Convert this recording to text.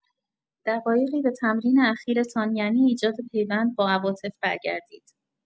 دقایقی به تمرین اخیرتان یعنی ایجاد پیوند با عواطف برگردید.